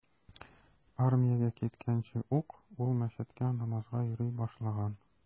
Армиягә киткәнче ук ул мәчеткә намазга йөри башлаган.